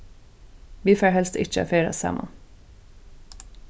vit fara helst ikki at ferðast saman